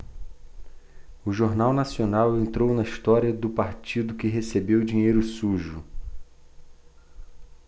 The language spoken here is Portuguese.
o jornal nacional entrou na história do partido que recebeu dinheiro sujo